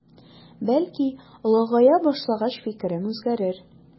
Бәлки олыгая башлагач фикерем үзгәрер.